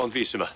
Ond fi sy'ma.